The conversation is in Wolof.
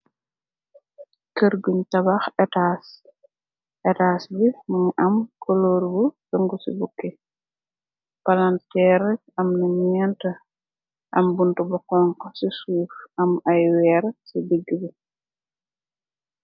Keur guñ tabax etas etas bi mogi am koloor bu sëngu ci bukki palanteer am na neenta am buntu boxonko ci suuf am ay weer ci digg bi.